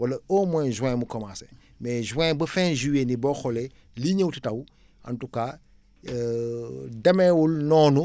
wala au moins juin mu commencé mais juin ba fin juillet nii boo xoolee li ñëw taw en tout cas demeewul noonu